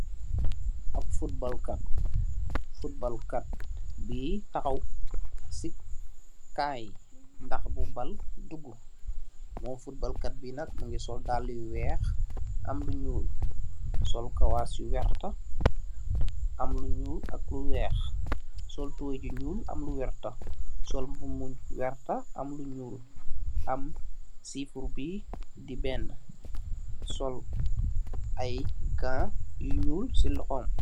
Ab futbalkat, futbalkat bi taxaw si kaayi ndax bu bal dugu, mom futbalkat bi nak mingi sol, daale yu weex am lu nyuul, sol kawas yu werta am lu nyuul ak lu weex, sol tuway ju nyuul am lu werta, sol mbub mu werta am lu nyuul, am sifur bi di benne, sol ay gaa yu nyuul si loxom.